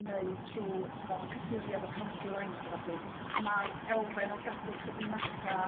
neu trw' 'da ch'mbo cyffuria' efo county lines a ballu ma'r elfen o gadw cyfrinacha'